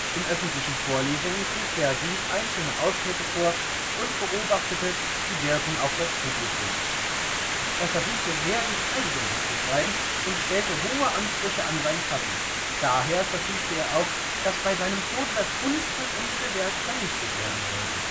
In öffentlichen Vorlesungen trug Vergil einzelne Ausschnitte vor und beobachtete die Wirkung auf das Publikum. Er versuchte, sehr detailgenau zu schreiben, und stellte hohe Ansprüche an sein Schaffen. Daher verfügte er auch, dass bei seinem Tod das unvollendete Werk vernichtet werden sollte